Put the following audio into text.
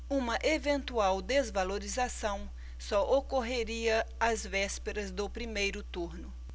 uma eventual desvalorização só ocorreria às vésperas do primeiro turno